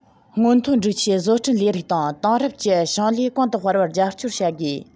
སྔོན ཐོན སྒྲིག ཆས བཟོ སྐྲུན ལས རིགས དང དེང རབས ཀྱི ཞིང ལས གོང དུ སྤེལ བར རྒྱབ སྐྱོར བྱ དགོས